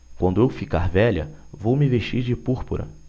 quando eu ficar velha vou me vestir de púrpura